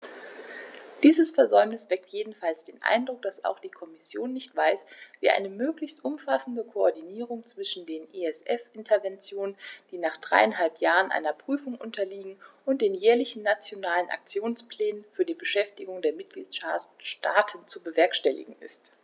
Dieses Versäumnis weckt jedenfalls den Eindruck, dass auch die Kommission nicht weiß, wie eine möglichst umfassende Koordinierung zwischen den ESF-Interventionen, die nach dreieinhalb Jahren einer Prüfung unterliegen, und den jährlichen Nationalen Aktionsplänen für die Beschäftigung der Mitgliedstaaten zu bewerkstelligen ist.